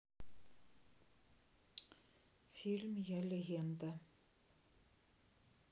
фильм я легенда